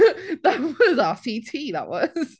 That was RCT, that was.